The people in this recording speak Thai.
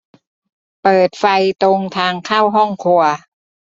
เปิดไฟตรงทางเข้าห้องครัว